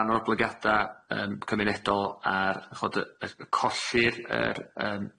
O ran yr oblygiada yym cymunedol â'r ch'od y- yy colli'r yr yym